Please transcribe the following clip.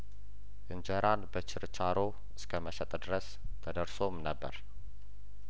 እንጀራን በችርቻሮ እስከመሸጥ ድረስ ተደርሶም ነበር